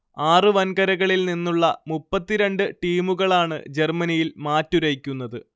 ആറു വൻകരകളിൽ നിന്നുള്ള മുപ്പത്തി രണ്ട് ടീമുകളാണ് ജർമ്മനിയിൽ മാറ്റുരയ്ക്കുന്നത്